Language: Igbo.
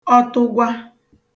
ọtụgwa